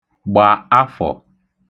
gbà afọ̀